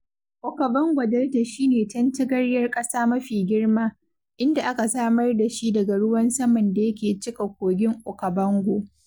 Okavango Delta shi ne tantagaryar ƙasa mafi girma, inda aka samar da shi daga ruwan saman da yake cika kogin Okavango.